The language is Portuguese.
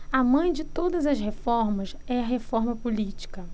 a mãe de todas as reformas é a reforma política